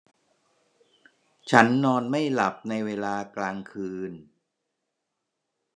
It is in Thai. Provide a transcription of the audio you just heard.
ฉันนอนไม่หลับในเวลากลางคืน